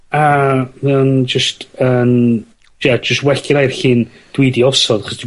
A ma' o'n jyst yn ie jyst well genai'r llun dwi 'di osod, achos dwi